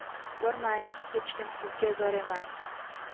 bormang hech kim sizga zor emas